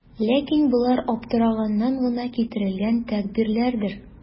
Ләкин болар аптыраганнан гына китерелгән тәгъбирләрдер.